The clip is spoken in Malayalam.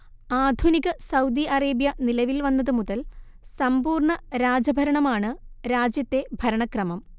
ആധുനിക സൗദി അറേബ്യ നിലവിൽ വന്നത് മുതൽ സമ്പൂർണ രാജ ഭരണമാണ് രാജ്യത്തെ ഭരണക്രമം